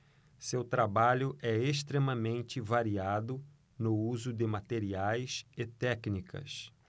seu trabalho é extremamente variado no uso de materiais e técnicas